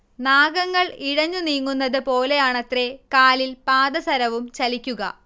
നാഗങ്ങൾ ഇഴഞ്ഞുനീങ്ങുന്നത് പോലെയാണത്രെ കാലിൽ പാദസരവും ചലിക്കുക